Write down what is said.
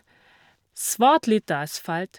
Svært lite asfalt.